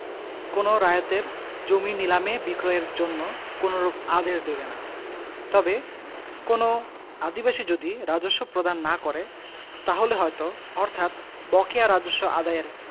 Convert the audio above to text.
কোন রায়তের জমি নিলামে বিক্রয়ের জন্য কোনরূপ আদেশ দেবেনা তবে কোনও আদিবাসী যদি রাজস্ব প্রদান না করে তাহলে হয়ত অর্থাৎ বকেয়া রাজস্ব আদাযের